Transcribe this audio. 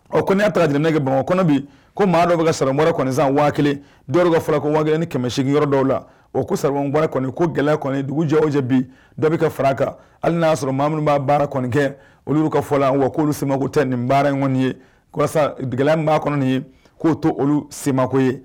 Ɔ kɔni y'a taara jigin nege bamakɔ kɔnɔ bi ko maa dɔw bɛ ka wɛrɛ kɔnisan waa kelen dɔw ka farakokari ni kɛmɛsingin yɔrɔ dɔw la o kosabanwa kɔni ko gɛlɛya kɔni dugu ja cɛ bi dabi ka fara kan hali n y'a sɔrɔ mɔgɔ minnu' baara kɔni kɛ oluolu ka fɔ la wa k' oluolu sema tɛ nin baara in kɔniɔni ye walasa d min b'a kɔni ye k'o to olu semako ye